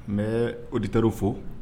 N bɛ o de taar fo